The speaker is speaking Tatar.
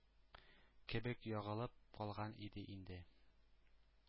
Кебек ягылып калган иде инде.